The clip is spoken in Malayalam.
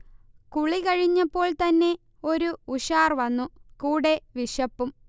കുളി കഴിഞ്ഞപ്പോൾത്തന്നെ ഒരു ഉഷാർ വന്നു കൂടെ വിശപ്പും